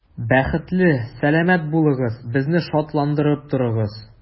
Бәхетле, сәламәт булыгыз, безне шатландырып торыгыз.